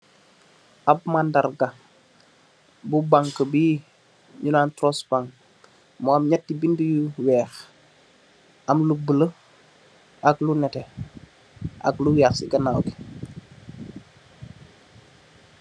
Ap mandarga bu bank bi ñi nan trust bank mu am ñetti bindi yu wèèx am lu bula ak lu netteh am lu wèèx ci ganaw ngi.